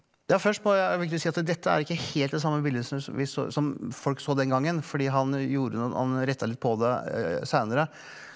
ja først må jeg er det viktig å si at dette er ikke helt det samme bilde som vi så som folk så den gangen fordi han gjorde noe han retta litt på det seinere.